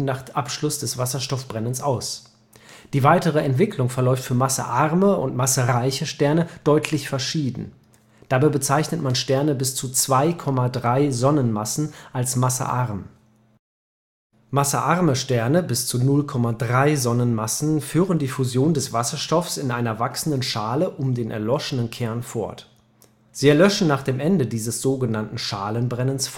Abschluss des Wasserstoffbrennens aus. Die weitere Entwicklung verläuft für massearme und massereiche Sterne deutlich verschieden. Dabei bezeichnet man Sterne bis zu 2,3 Sonnenmassen als massearm. Massearme Sterne bis zu 0,3 Sonnenmassen führen die Fusion des Wasserstoffs in einer wachsenden Schale um den erloschenen Kern fort. Sie erlöschen nach dem Ende dieses so genannten Schalenbrennens